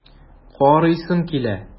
Карыйсым килә!